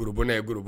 Gorobunɛ gorobu